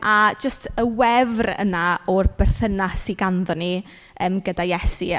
A jyst y wefr yna o'r berthynas sy ganddon ni yym gyda Iesu.